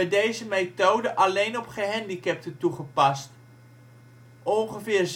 deze methode alleen op gehandicapten toegepast. Ongeveer